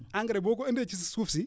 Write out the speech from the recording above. engrais boo ko andee ci suuf si